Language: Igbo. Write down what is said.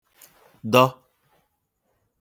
dọ